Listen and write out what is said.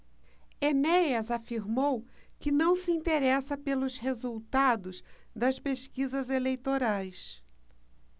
enéas afirmou que não se interessa pelos resultados das pesquisas eleitorais